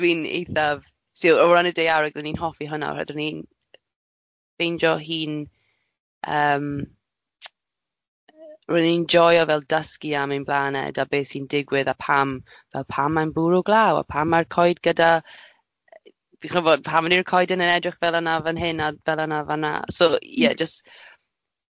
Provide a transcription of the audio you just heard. Dwi'n eithaf, tio- o ran y daeareg o fi'n hoffi hwna oherwydd ro ni'n ffeindio hi'n yym, ro ni'n joio fel dysgu am ein blaned a be sy'n digwydd a pam fel pam mae'n bwrw glaw a pam mae coed gyda chi'bod pam ydi'r coeden yn edrych fel yna fan hyn a fel yna fana